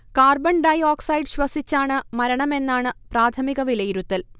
carbon dioxide ശ്വസിച്ചാണ് മരണമെന്നാണ് പ്രാഥമിക വിലയിരുത്തൽ